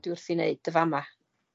dwi wrthi wneud y fama.